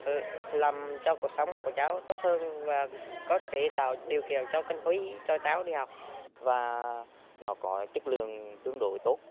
làm cho cuộc sống của cháu tốt hơn và có thể tạo điều kiện cho kinh phí cho cháu đi học và nó có chất lượng tương đối tốt